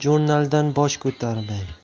jurnaldan bosh ko'tarmay